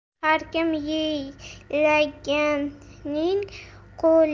har kim siylaganning quli